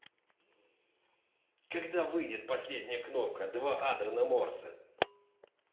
когда выйдет последняя кнопка два андрена морса